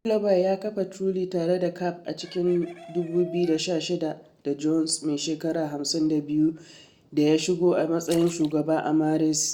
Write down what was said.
Willoughby ya kafa Truly tare da Capp a cikin 2016 da Jones, mai shekaru 52, da ya shigo a matsayin shugaba a Maris.